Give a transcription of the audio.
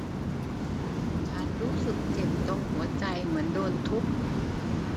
ฉันรู้สึกเจ็บตรงหัวใจเหมือนโดนทุบ